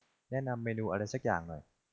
แนะนำเมนูอะไรสักอย่างหน่อย